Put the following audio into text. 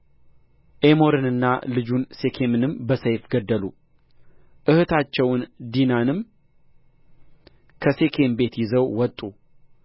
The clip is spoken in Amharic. ኤሞርንና ልጁን ሴኬምንም በሰይፍ ገደሉ እኅታቸውን ዲናንም ከሴኬም ቤት ይዘው ወጡ